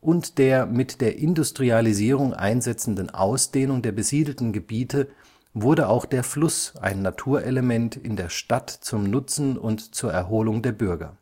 und der mit der Industrialisierung einsetzenden Ausdehnung der besiedelten Gebiete wurde auch der Fluss ein Naturelement in der Stadt zum Nutzen und zur Erholung der Bürger